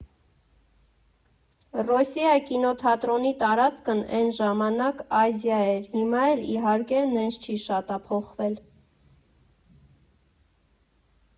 «Ռոսիա» կինոթատրոնի տարածքն էն ժամանկ «Ազիա» էր, հիմա էլ, իհարկե, նենց չի շատ ա փոխվել։